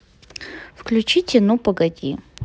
включите ну погоди